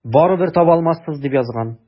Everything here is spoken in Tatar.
Барыбер таба алмассыз, дип язган.